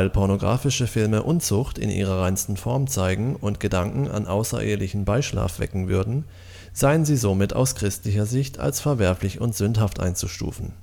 pornografische Filme Unzucht in ihrer reinsten Form zeigen und Gedanken an außerehelichen Beischlaf wecken würden, seien sie somit aus christlicher Sicht als verwerflich und sündhaft einzustufen